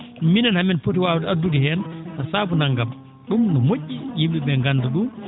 minen hamin poti waawde addude heen haa saabu nanngam ?um no mo??i yim?e ?ee ngannda ?um